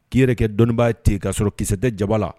K'i yɛrɛ kɛ dɔnniibaa' ten k'asɔrɔ sɔrɔ kisɛ tɛ jaba la